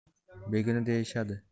begona deyishadi